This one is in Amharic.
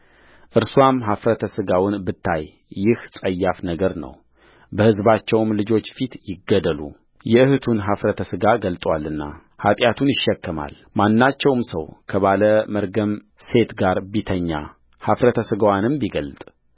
እርስዋም ኃፍረተ ሥጋውን ብታይ ይህ ጸያፍ ነገር ነው በሕዝባቸውም ልጆች ፊት ይገደሉ የእኅቱን ኃፍረተ ሥጋ ገልጦአልና ኃጢአቱን ይሸከማልማናቸውም ሰው ከባለ መርገም ሴት ጋር ቢተኛ ኃፍረተ ሥጋዋንም ቢገልጥ